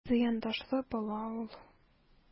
Зыяндашлы бала ул...